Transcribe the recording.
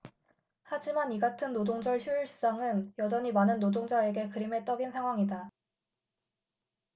하지만 이같은 노동절 휴일수당은 여전히 많은 노동자에게 그림의 떡인 상황이다